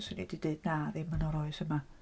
'Swn i 'di dweud "na ddim yn yr oes yma".